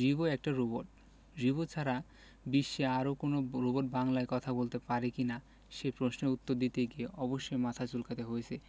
রিবো একটা রোবট রিবো ছাড়া বিশ্বের আর কোনো রোবট বাংলায় কথা বলতে পারে কি না সে প্রশ্নের উত্তর দিতে গিয়ে অবশ্য মাথা চুলকাতে হয়েছে